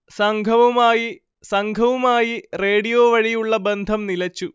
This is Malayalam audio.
സംഘവുമായി റേഡിയോ വഴിയുള്ള ബന്ധം നിലച്ചു